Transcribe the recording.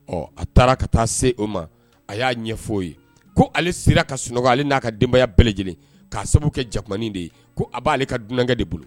Ɔ a taara ka taa se o ma a y'a ɲɛ fɔ ye ko ale sera ka sunɔgɔ ale n'a ka denbayaya bɛɛ lajɛlen k'a sabu kɛ jakumamani de ye ko a b'aale ka dunan de bolo